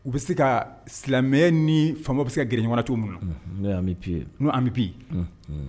U bɛ se ka silamɛ ni fa bɛ se grin ɲɔgɔnwa cogo minnu bɛ biye n' an bɛ bi